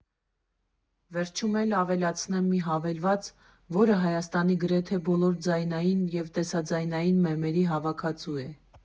Վերջում էլ ավելացնեմ մի հավելված, որը Հայաստանի գրեթե բոլոր ձայնային և տեսաձայնային մեմերի հավաքածու է։